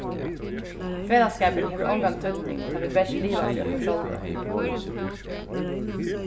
felagsskapurin hevur ongan týdning tá vit bert liva fyri okkum sjálvi